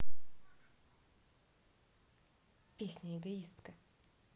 песня эгоистка